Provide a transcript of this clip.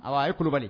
Ayiwa a ye kulubali